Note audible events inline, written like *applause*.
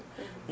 *hesitation* *hesitation*